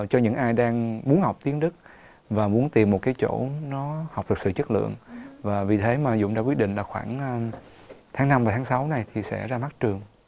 cho những ai đang muốn học tiếng đức và muốn tìm một cái chỗ nó học thực sự chất lượng và vì thế mà dũng đã quyết định là khoảng tháng năm và tháng sáu này thì sẽ ra mắt trường